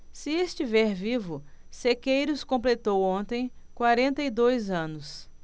se estiver vivo sequeiros completou ontem quarenta e dois anos